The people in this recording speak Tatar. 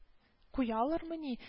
Куялармыни